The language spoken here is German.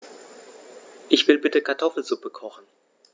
Ich will bitte Kartoffelsuppe kochen.